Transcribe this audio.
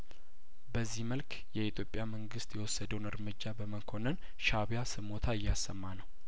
በዚህ መልክ የኢትዮጵያ መንግስት የወሰደውን እርምጃ በመኮነን ሻእቢያ ስሞታ እያሰማ ነው